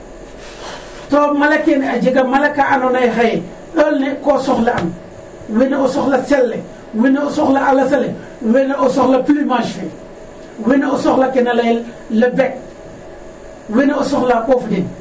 To mala kene a jega mala ka andoona yee xaye ɗool ne koo soxla'an ,wene o soxla sel le, wene o soxla'aa las ale, wene o soxla, wene o soxla ke na layel le bec ,wene o soxla a ɓoof den .